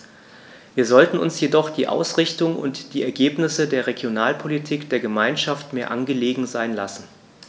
Wir sollten uns jedoch die Ausrichtung und die Ergebnisse der Regionalpolitik der Gemeinschaft mehr angelegen sein lassen.